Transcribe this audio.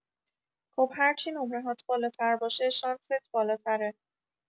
خب هرچی نمره‌هات بالاتر باشه شانست بالاتره